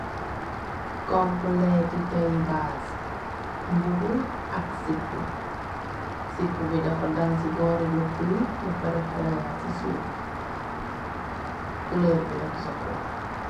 Compleeti tey baas mbubu ak sipu, sipu bi dafa dang ci boori luppu yi ba pereh feleya ci suuf kulur bi dafa sokola.